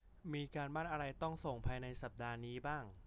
มีการบ้านอะไรต้องส่งภายในสัปดาห์นี้บ้าง